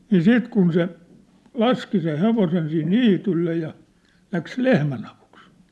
niin sitten kun se laski sen hevosen siihen niitylle ja lähti lehmän avuksi